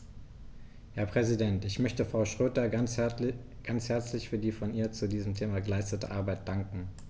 Herr Präsident, ich möchte Frau Schroedter ganz herzlich für die von ihr zu diesem Thema geleistete Arbeit danken.